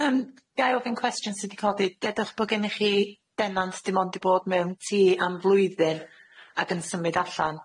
Yym, ga i ofyn cwestiwn sy'n 'di codi? Dedwch bo' gennych chi denant dim ond 'di bod mewn tŷ am flwyddyn, ac yn symud allan,